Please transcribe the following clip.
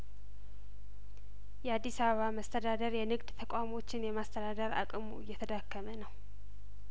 የአዲስ አበባ መስተዳደር የንግድ ተቋሞችን የማስተዳደር አቅሙ እየተዳከመ ነው